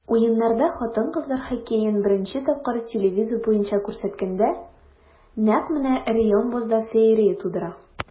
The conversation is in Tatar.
Уеннарда хатын-кызлар хоккеен беренче тапкыр ТВ буенча күрсәткәндә, нәкъ менә Реом бозда феерия тудыра.